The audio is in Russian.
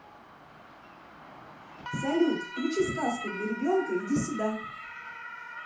салют включи сказку для ребенка иди сюда